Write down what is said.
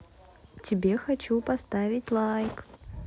тебе хочу поставить лайк